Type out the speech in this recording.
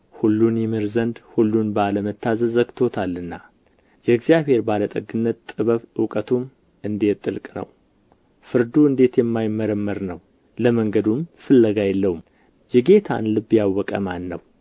ሁሉን ይምር ዘንድ ሁሉን በአለመታዘዝ ዘግቶታልና የእግዚአብሔር ባለ ጠግነትና ጥበብ እውቀቱም እንዴት ጥልቅ ነው ፍርዱ እንዴት የማይመረመር ነው ለመንገዱም ፍለጋ የለውም የጌታን ልብ ያወቀው ማን ነው